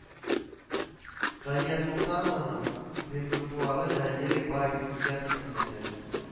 Галия Солтанованың репертуары гаҗәеп бай иҗат хәзинәсе